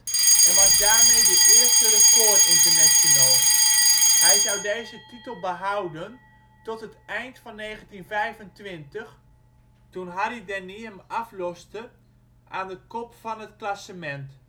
en was daarmee de eerste recordinternational. Hij zou deze titel behouden tot het eind van 1925, toen Harry Dénis hem afloste aan de kop van het klassement